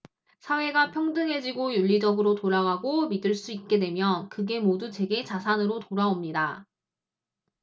사회가 평등해지고 윤리적으로 돌아가고 믿을 수 있게 되면 그게 모두 제게 자산으로 돌아옵니다